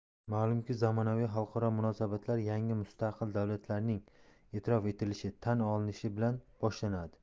ma'lumki zamonaviy xalqaro munosabatlar yangi mustaqil davlatlarning e'tirof etilishi tan olinishi bilan boshlanadi